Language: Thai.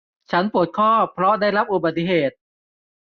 ฉันปวดข้อเพราะได้รับอุบัติเหตุ